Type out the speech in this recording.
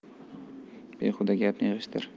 behuda gapni yig'ishtir